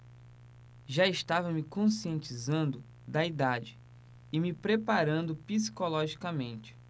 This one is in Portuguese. já estava me conscientizando da idade e me preparando psicologicamente